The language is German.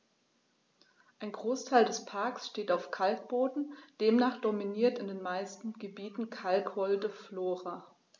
Ein Großteil des Parks steht auf Kalkboden, demnach dominiert in den meisten Gebieten kalkholde Flora.